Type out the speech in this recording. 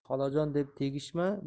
xolajon deb tegishma